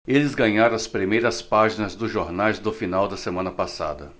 eles ganharam as primeiras páginas dos jornais do final da semana passada